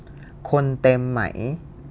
คนเต็มไหม